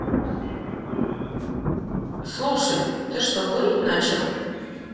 слушай ты что курить начал